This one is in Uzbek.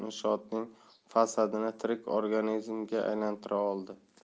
inshootning fasadini tirik organizmga aylantira oldi